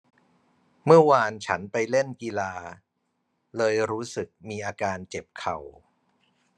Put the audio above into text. เมื่อวานฉันไปเล่นกีฬาเลยรู้สึกมีอาการเจ็บเข่า